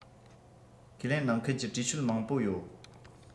ཁས ལེན ནང ཁུལ གྱི གྲོས ཆོད མང པོ ཡོད